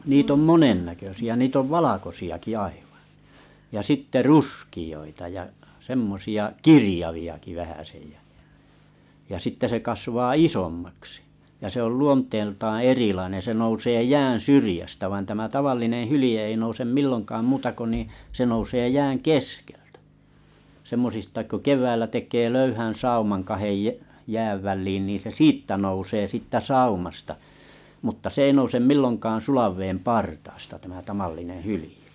niitä on monen näköisiä niitä on valkoisiakin aivan ja sitten ruskeita ja semmoisia kirjaviakin vähäsen ja ja sitten se kasvaa isommaksi ja se on luonteeltaan erilainen se nousee jään syrjästä vaan tämä tavallinen hylje ei nouse milloinkaan muuta kuin niin se nousee jään keskeltä semmoisista kun keväällä tekee löyhän sauman kahden - jään väliin niin se siitä nousee sitten saumasta mutta se ei nouse milloinkaan sulan veden partaasta tämä tavallinen hylje